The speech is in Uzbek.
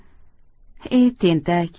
e tentak